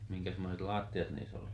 minkäsmoiset lattiat niissä oli